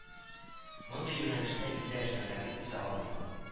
Мондый юнәлештә илдә эшмәкәрлек үсә алмый